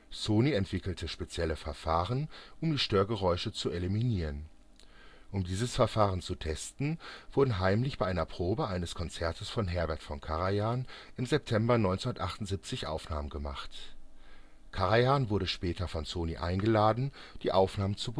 Sony entwickelte spezielle Verfahren, um die Störgeräusche zu eliminieren. Um diese Verfahren zu testen, wurden heimlich bei einer Probe eines Konzertes von Herbert von Karajan im September 1978 Aufnahmen gemacht. Karajan wurde später von Sony eingeladen, die Aufnahmen zu